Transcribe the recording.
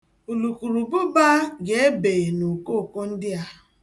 Ulukuruụbụba ga-ebe n'okoko ndịa.